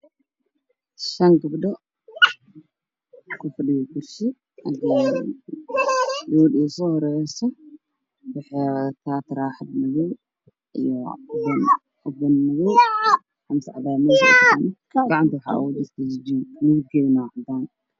5 gabdho oo isla socdaan midda ugu horraysa waxay wadataa xijaabo cadaan ah